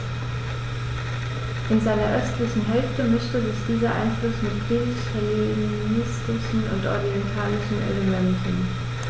In seiner östlichen Hälfte mischte sich dieser Einfluss mit griechisch-hellenistischen und orientalischen Elementen.